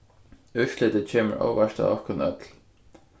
úrslitið kemur óvart á okkum øll